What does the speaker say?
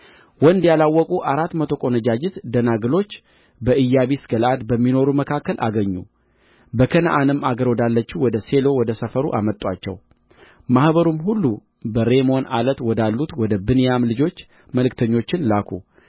ወንድ ያላወቁ አራት መቶ ቈነጃጅት ደናግሎች በኢያቢስ ገለዓድ በሚኖሩ መካከል አገኙ በከነዓንም አገር ወዳለችው ወደ ሴሎ ወደ ሰፈሩ አመጡአቸው ማኅበሩም ሁሉ በሬሞን ዓለት ወዳሉት ወደ ብንያም ልጆች መልክተኞችን ላኩ